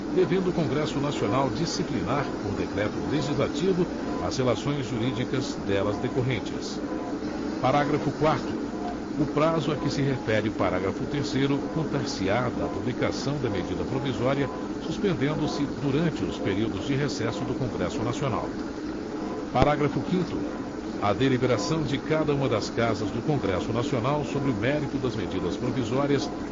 devendo o congresso nacional disciplinar por decreto legislativo as relações jurídicas delas decorrentes parágrafo quarto o prazo a que se refere o parágrafo terceiro contar se á da publicação da medida provisória suspendendo se durante os períodos de recesso do congresso nacional parágrafo quinto a deliberação de cada uma das casas do congresso nacional sobre o mérito das medidas provisórias